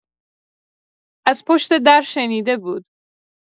از پشت در شنیده بود.